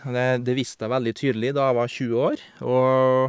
Og det det visste jeg veldig tydelig da jeg var tjue år, og...